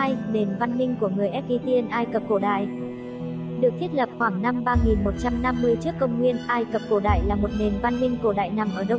số nền văn minh của người egytian ai cập cổ đại được thiết lập khoảng năm trước công nguyên ai cập cổ đại là một nền văn minh cổ đại nằm ở đông bắc